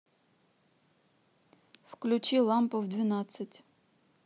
включи лампу в двенадцать